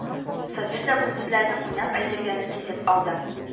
Сабир да бу сүзләрнең уйнап әйтелгәнен сизеп алды